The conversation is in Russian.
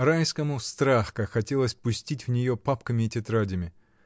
Райскому страх как хотелось пустить в нее папками и тетрадями.